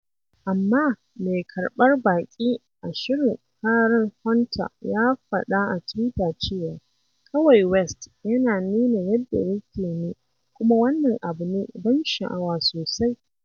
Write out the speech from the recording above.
Amma mai karɓar baƙi a shirin Karen Hunter ya faɗa a Twitter cewa kawai West "yana nuna yadda yake ne kuma wannan abu ne ban sha'awa sosai."